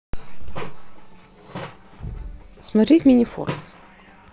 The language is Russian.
смотреть минифорс